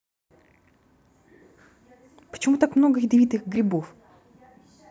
почему так много ядовитых грибов